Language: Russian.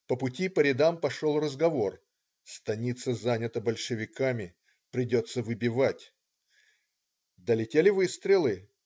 По пути по рядам пошел разговор: "станица занята большевиками - придется выбивать". Долетели выстрелы.